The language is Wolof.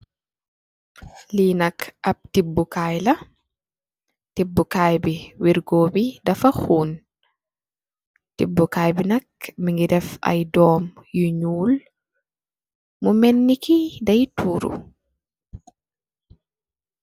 Li nak ap tip bu Kai la. Tip bu Kai bi wirgo bi dafa xoon, tip bu kai bi nak mugeh dèf ay doom yu ñuul mu melniki day turuh.